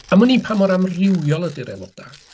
Am wn i pa mor amrywiol ydy'r aelodau.